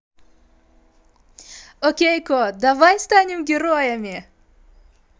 окей ко давай станем героями